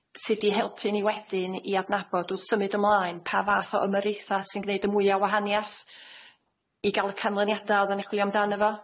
sydd 'di helpu ni wedyn i adnabod wrth symud ymlaen pa fath o ymyrriaetha sy'n gneud y mwya o wahaniaeth, i ga'l y canlyniada odda ni'n chwilio amdano fo.